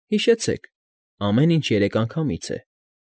Հիշեցեք, ամեն ինչ երեք անգամից է։